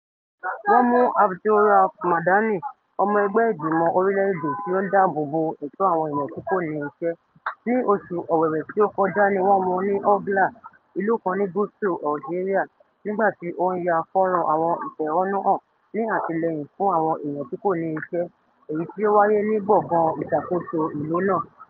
Wọ́n mú Abderaouf Madani, ọmọ ẹgbẹ́ ìgbìmọ̀ orílẹ̀-èdè tí ó ń dáàbò bo ẹ̀tọ́ àwọn èèyàn tí kò ní iṣẹ́, ní oṣù Ọ̀wẹ̀wẹ̀ tí ó kọjá ní wọ́n mu ní Ouargla, ìlú kan ní gúúsù Algeria, nígbà tí ó ń ya fọ́nràn àwọn ìfẹ̀hónúhàn ní àtìlẹ́yìn fún àwọn èèyàn tí kò ní iṣẹ́ èyí tí ó wáyé ní gbọ̀ngán ìṣàkóso ìlú náà.